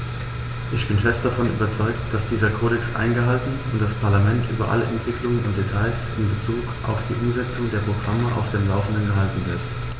Ich bin fest davon überzeugt, dass dieser Kodex eingehalten und das Parlament über alle Entwicklungen und Details in bezug auf die Umsetzung der Programme auf dem laufenden gehalten wird.